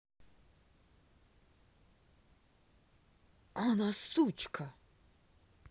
она сучка